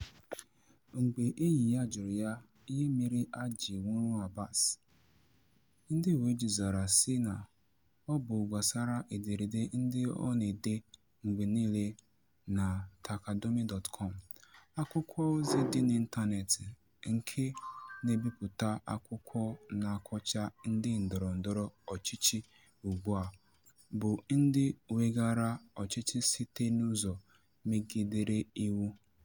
Mgbe enyi ya jụrụ ya ihe mere ha ji nwuru Abbass, ndị uweojii zara sị na ọ bụ gbasara ederede ndị ọ na-ede mgbe niile na Taqadoumy.com, akwụkwọozi dị n'ịntaneetị nke na-ebipụta akụkọ na-akọcha ndị ndọrọndọrọ ọchịchị ugbua bụ ndị weghaara ọchịchị site n'ụzọ megidere iwu.